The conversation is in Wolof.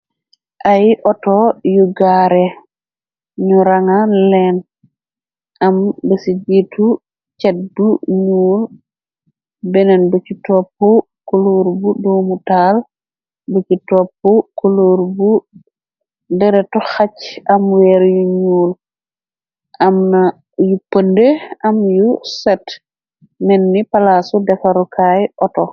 Ay ooto yu gaare, ñu rangal leen, am bi ci jiitu cat bu ñuul, beneen bu ci topp kuloor bu domutaal, bu ci topp kuloor bu deretu xacc am weer yu ñuul, amna yu pënde, am yu set menni palaasu defaru kaay oto.